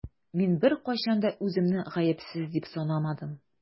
Мин беркайчан да үземне гаепсез дип санамадым.